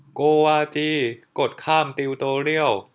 โกวาจีกดข้ามติวโตเรียล